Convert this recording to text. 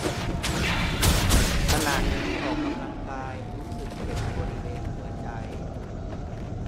ขณะที่ออกกำลังกายรู้สึกเจ็บบริเวณหัวใจ